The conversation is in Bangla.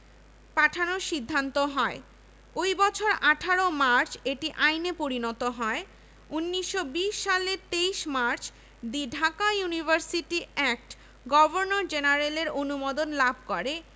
জে.এইচ লিন্ডসে আইসিএস ১ জুলাই ১৯২১ থেকে ২০ ফেব্রুয়ারি ১৯২২ প্রথম রেজিস্ট্রার খানবাহাদুর নাজির উদ্দিন আহমদ